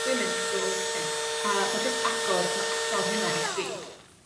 dw i'n mynd trw hyn a ma' jyst agor ma' agor hynna i chdi